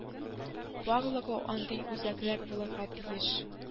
Барлыгы андый үзәкләр - булырга тиеш